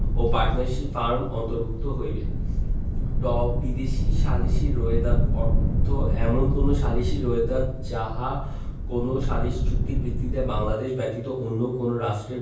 ও partnership firm অন্তর্ভুক্ত হইবে ট বিদেশী সালিসী রোয়েদাদ অর্থ এমন কোন সালিসী রোয়েদাদ যাহা কোন সালিস চুক্তির ভিত্তিতে বাংলাদেশ ব্যতীত অন্য কোন রাষ্ট্রের